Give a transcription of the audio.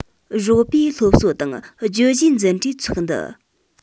རོགས པའི སློབ གསོ དང བརྗོད གཞིའི འཛིན གྲྭའི ཚོགས འདུ